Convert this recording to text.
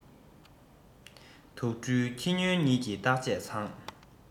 དུག སྦྲུལ ཁྱི སྨྱོན གཉིས ཀྱི བརྟག དཔྱད ཚང